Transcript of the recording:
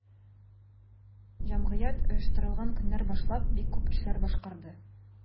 Җәмгыять оештырылган көннән башлап бик күп эшләр башкарды.